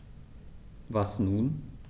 Was nun?